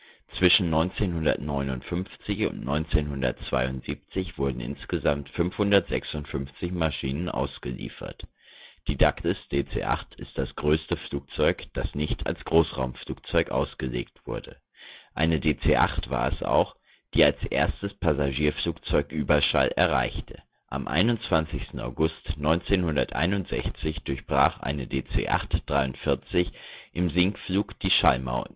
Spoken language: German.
Zwischen 1959 und 1972 wurden insgesamt 556 Maschinen ausgeliefert. Die Douglas DC-8 ist das größte Flugzeug, das nicht als Großraumflugzeug ausgelegt wurde. Eine DC-8 war es auch, die als erstes Passagierflugzeug Überschall erreichte. Am 21. August 1961 durchbrach eine DC-8-43 im Sinkflug die Schallmauer